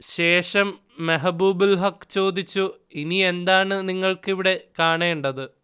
ശേഷം മെഹ്ബൂബുൽ ഹഖ് ചേദിച്ചു: ഇനിയെന്താണ് നിങ്ങൾക്ക് ഇവിടെ കാണേണ്ടത്